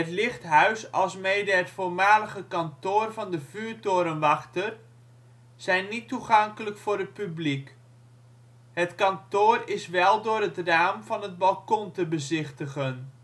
lichthuis alsmede het voormalige kantoor van de vuurtorenwachter zijn niet toegankelijk voor het publiek. Het kantoor is wel door het raam van het balkon te bezichtigen